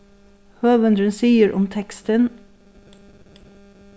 høvundurin sigur um tekstin